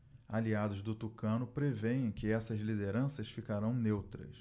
aliados do tucano prevêem que essas lideranças ficarão neutras